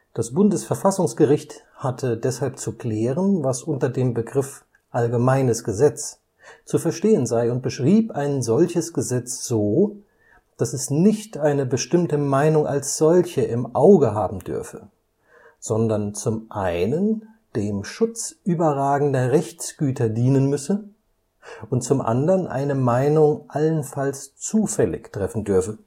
Das Bundesverfassungsgericht hatte deshalb zu klären, was unter dem Begriff „ allgemeines Gesetz “zu verstehen sei und beschrieb ein solches Gesetz so, dass es nicht eine bestimmte Meinung als solche im Auge haben dürfe (so die Sonderrechtslehre), sondern zum einen dem Schutz überragender Rechtsgüter dienen müsse und zum anderen eine Meinung allenfalls zufällig treffen dürfe